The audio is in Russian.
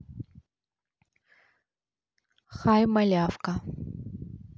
хай малявка